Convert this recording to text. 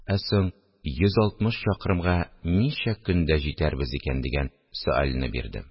Ә соң йөз алтмыш чакрымга ничә көндә җитәрбез икән? – дигән сөальне бирдем